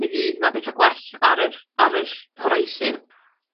mi fydd 'na betha gwell ar yr ar yr horizon.